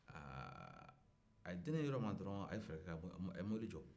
aa a ye deni ye yɔrɔ minna dɔrɔn a ye fɛɛrɛ kɛ ka bɔ a ye mobili jɔ